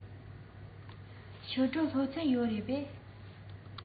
ཕྱི དྲོ སློབ ཚན ཡོད རེད པས